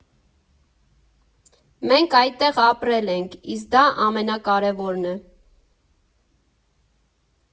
Մենք այդտեղ ապրել ենք, իսկ դա ամենակարևորն է։